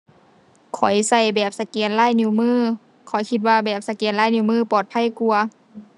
ข้อยใช้แบบสแกนลายนิ้วมือ ข้อยคิดว่าแบบสแกนลายนิ้วมือปลอดภัยกว่า